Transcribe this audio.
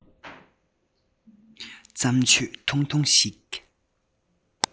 བཙམས ཆོས ཐུང ཐུང ཞིག